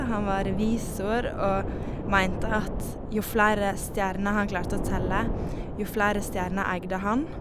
Han var revisor og mente at jo flere stjerner han klarte å telle, jo flere stjerner eide han.